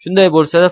shunday bo'lsa da